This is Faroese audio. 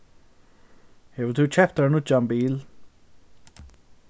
hevur tú keypt tær nýggjan bil